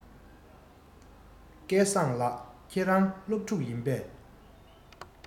སྐལ བཟང ལགས ཁྱེད རང སློབ ཕྲུག ཡིན པས